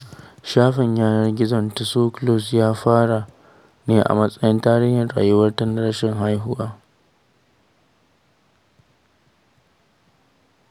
Shafin yanar gizonta, So Close, ya fara ne a matsayin tarihin rayuwar ta na rashin haihuwa